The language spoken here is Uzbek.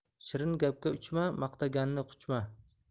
shirin gapga uchma maqtaganni quchma